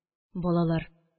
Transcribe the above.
Балалар